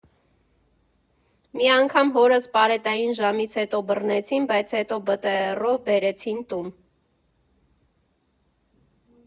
Մի անգամ հորս պարետային ժամից հետո բռնեցին, բայց հետո ԲՏՌ֊ով բերեցին տուն։